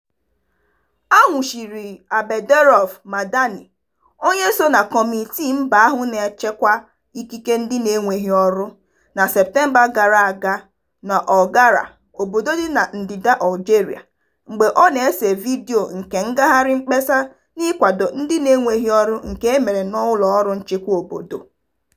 A nwụchiri Abderaouf Madani, onye so na kọmitii mba ahụ na-echekwa ikike ndị na-enweghị ọrụ, na Septemba gara aga n'Ouargla, obodo dị na ndịda Algeria, mgbe ọ na-ese vidiyo nke ngagharị mkpesa n'ịkwado ndị na-enweghị ọrụ nke e mere n'ụlọọrụ nchịkwa obodo.